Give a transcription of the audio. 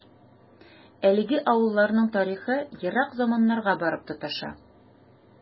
Әлеге авылларның тарихы ерак заманнарга барып тоташа.